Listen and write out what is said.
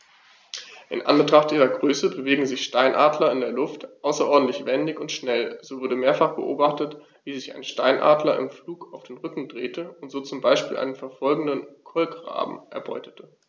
In Anbetracht ihrer Größe bewegen sich Steinadler in der Luft außerordentlich wendig und schnell, so wurde mehrfach beobachtet, wie sich ein Steinadler im Flug auf den Rücken drehte und so zum Beispiel einen verfolgenden Kolkraben erbeutete.